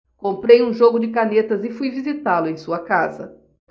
comprei um jogo de canetas e fui visitá-lo em sua casa